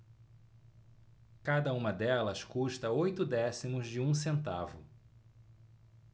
cada uma delas custa oito décimos de um centavo